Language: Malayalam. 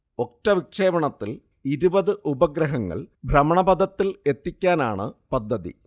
ഒറ്റ വിക്ഷേപണത്തിൽ ഇരുപത് ഉപഗ്രഹങ്ങൾ ഭ്രമണപഥത്തിൽ എത്തിക്കാനാണ് പദ്ധതി